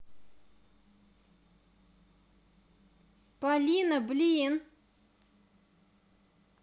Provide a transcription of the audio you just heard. полина блин